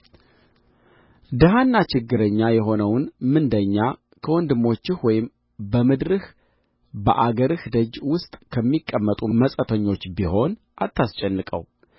ድሀና ችግረኛ የሆነውን ምንደኛ ከወንድሞችህ ወይም በምድርህ በአገርህ ደጅ ውስጥ ከሚቀመጡት መጻተኞች ቢሆን አታስጨንቀው